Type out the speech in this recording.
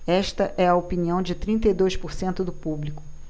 esta é a opinião de trinta e dois por cento do público